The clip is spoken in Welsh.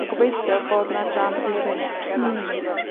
A gobeithio fod 'na jam eirin. Hmm.